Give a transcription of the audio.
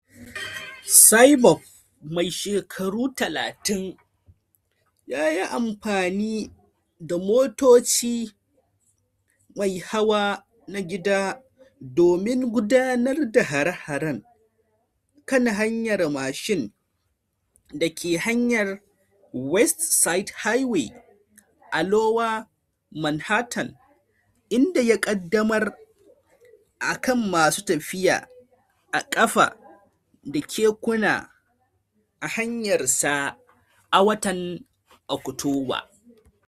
Saipov, mai shekaru 30, ya yi amfani da motoci mai hawa na gida domin gudanar da hare-haren kan hanyar machine da ta hanyar West Side Highway a Lower Manhattan, inda ya kaddamar akan masu tafiya a kafa da kekuna a hanyarsa a watan Oktoba.